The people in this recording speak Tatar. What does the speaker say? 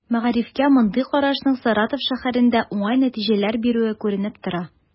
Мәгарифкә мондый карашның Саратов шәһәрендә уңай нәтиҗәләр бирүе күренеп тора.